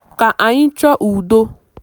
Ka anyị chọọ udo.